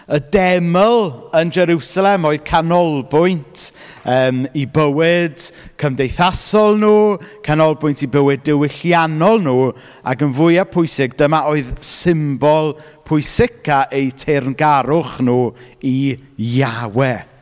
Y deml yn Jeriwsalem oedd canolbwynt yym eu bywyd cymdeithasol nhw, canolbwynt eu bywyd diwylliannol nhw, ac yn fwyaf pwysig, dyma oedd symbol pwysicaf eu teyrngarwch nhw i Yahwe.